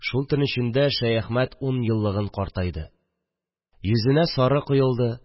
Шул төн эчендә Шәяхмәт ун еллыгын картайды, йөзенә сары коелды